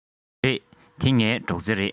རེད འདི ངའི སྒྲོག རྩེ རེད